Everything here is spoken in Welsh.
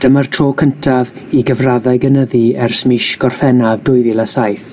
Dyma'r tro cyntaf i gyfraddau gynyddu ers mis Gorffennaf dwy fil a saith,